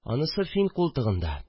Анысы Фин култыгында